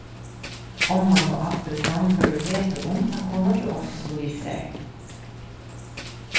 omman og abbin sannførdu petur um at koma til oslo við sær